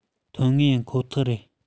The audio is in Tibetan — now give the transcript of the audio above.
ཐོན ངེས ཡིན ཁོ ཐག རེད